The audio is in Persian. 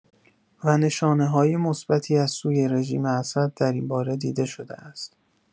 و نشانه‌های مثبتی از سوی رژیم اسد در این باره دیده‌شده است.